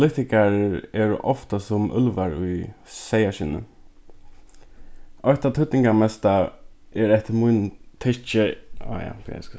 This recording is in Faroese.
politikarar eru ofta sum úlvar í seyðaskinni eitt tað týdningarmesta er eftir mínum tykki áh ja bíða eg skal